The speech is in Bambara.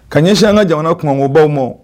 Ka ɲɛsi an ka jamana kumamɔgɔw baw ma